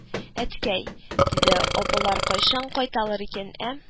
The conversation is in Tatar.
– әткәй, – диде, – апалар кайчан кайталар икән, ә